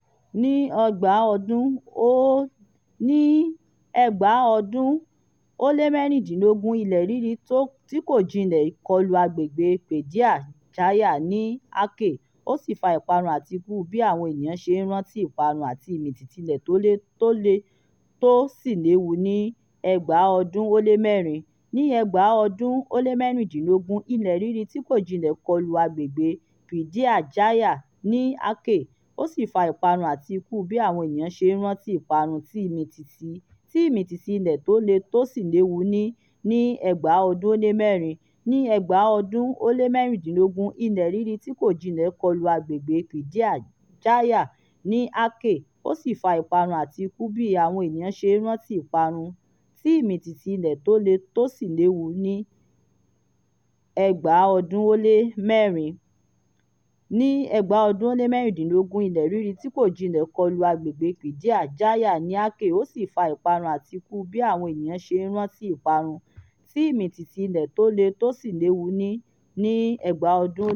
2016: ilẹ̀-rírì tí kò jinlẹ̀ kọlu agbègbè Pidie Jaya ní Aceh, ó sì fa ìparun àti ikú bí àwọn ènìyàn ṣe ń rántí ìparun ti ìmìtìtì ilẹ̀ tó le tó sì léwu ní 2004.